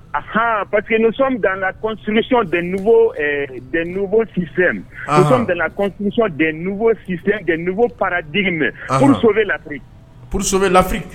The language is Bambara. Ah pa nisɔn ganbosi nbo n paigi mɛn p bɛ lafi pso bɛ lafi